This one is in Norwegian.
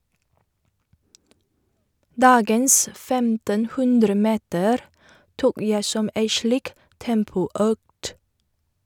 Dagens femtenhundremeter tok jeg som ei slik tempoøkt.